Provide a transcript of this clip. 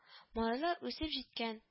Малайлар үсеп җиткән